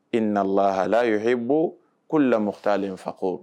I nanalaha h bon ko lamɔ tta le n fako